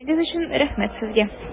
Әңгәмәгез өчен рәхмәт сезгә!